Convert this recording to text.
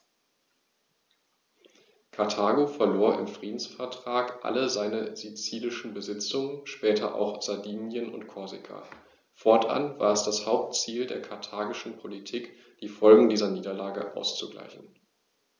Karthago verlor im Friedensvertrag alle seine sizilischen Besitzungen (später auch Sardinien und Korsika); fortan war es das Hauptziel der karthagischen Politik, die Folgen dieser Niederlage auszugleichen.